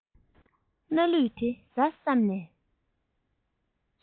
ངས སྣ ལུད དེ བཟའ བསམས ནས